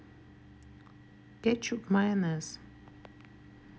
кетчуп майонез